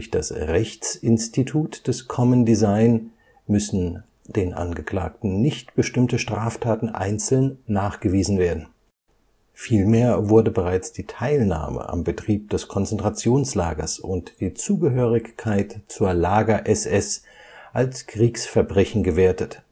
das Rechtsinstitut des Common Design mussten den Angeklagten nicht bestimmte Straftaten einzeln nachgewiesen werden; vielmehr wurde bereits die Teilnahme am Betrieb des Konzentrationslagers und die Zugehörigkeit zur Lager-SS als Kriegsverbrechen gewertet